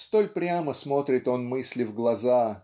Столь прямо смотрит он мысли в глаза